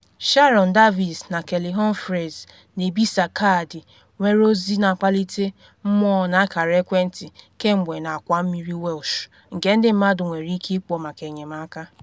Sharon Davis na Kelly Humphreys na ebisa kaadị nwere ozi na akpalite mmụọ na akara ekwentị kemgbe n’akwa mmiri Welsh nke ndị mmadụ nwere ike ịkpọ maka enyemaka.